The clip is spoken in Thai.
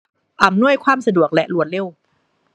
อำนวยความสะดวกและรวดเร็ว